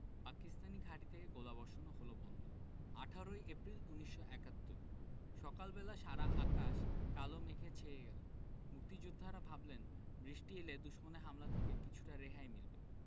পাকিস্তানি ঘাঁটি থেকে গোলাবর্ষণও হলো বন্ধ ১৮ এপ্রিল ১৯৭১ সকাল বেলা সারা আকাশ কালো মেঘে ছেয়ে গেল মুক্তিযোদ্ধারা ভাবলেন বৃষ্টি এলে দুশমনের হামলা থেকে কিছুটা রেহাই মিলবে